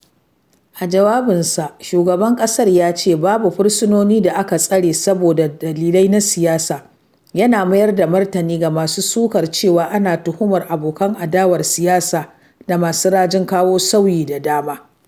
A jawabinsa, shugaban ƙasar ya ce “babu fursunonin da aka tsare saboda dalilai na siyasa,” yana mayar da martani ga masu sukar cewa ana tuhumar abokan adawar siyasa da masu rajin kawo sauyi da dama.